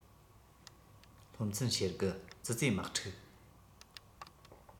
སློབ ཚན ཞེ དགུ ཙི ཙིའི དམག འཁྲུག